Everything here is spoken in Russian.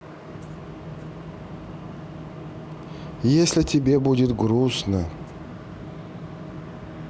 если тебе будет грустно